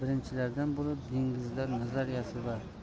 birinchilardan bo'lib dengizlar nazariyasi va